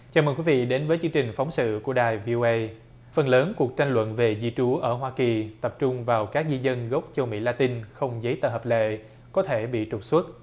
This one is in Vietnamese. chào mừng quý vị đến với chương trình phóng sự của đài vi âu ây phần lớn cuộc tranh luận về di trú ở hoa kỳ tập trung vào các di dân gốc châu mỹ la tin không giấy tờ hợp lệ có thể bị trục xuất